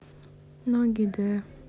ноги d